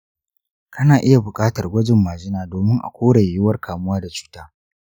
kana iya buƙatar gwajin majina domin a kore yiwuwar kamuwa da cuta.